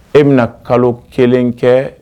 E bɛna kalo kelen kɛ